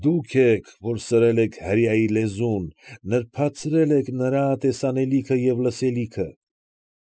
Դուք եք, որ սրել եք հրեայի լեզուն, նրբացրել եք նրա տեսանելիքը և լսելիքը։